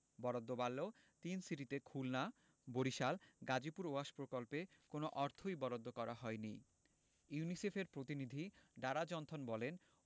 বরাদ্দ বাড়লেও তিন সিটিতে খুলনা বরিশাল গাজীপুর ওয়াশ প্রকল্পে কোনো অর্থই বরাদ্দ করা হয়নি ইউনিসেফের প্রতিনিধি ডারা জনথন বলেন